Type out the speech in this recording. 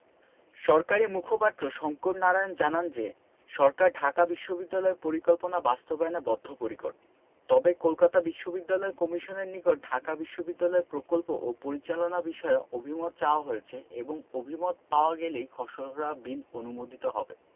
সরকারি মুখপাত্র শঙ্কর নারায়ণ জানান যে সরকার ঢাকা বিশ্ববিদ্যালয় পরিকল্পনা বাস্তবায়নে বদ্ধপরিকর তবে কলকাতা বিশ্ববিদ্যালয় কমিশনের নিকট ঢাকা বিশ্ববিদ্যালয় প্রকল্প ও পরিচালনা বিষয়ে অভিমত চাওয়া হয়েছে এবং অভিমত পাওয়া গেলেই খসড়া বিল অনুমোদিত হবে